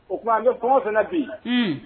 O tuma an ka kungo fana bi